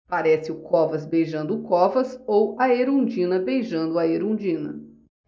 parece o covas beijando o covas ou a erundina beijando a erundina